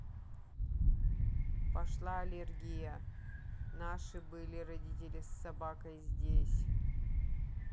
пошла аллергия наши были родители с собакой здесь